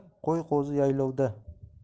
qo'y qo'zi yaylovda